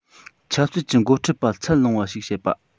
ཆབ སྲིད ཀྱི འགོ ཁྲིད པ ཚད ལོངས པ ཞིག བྱེད པ